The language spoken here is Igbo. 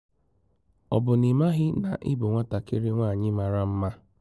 Ọ bụ na ị maghị na ị bụ nwatakịrị nwaanyị mara mma?